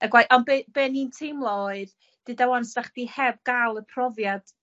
...y gwai- on' be' be' o'n i'n teimlo oedd, dweda 'wan sdach chdi heb ga'l y profiad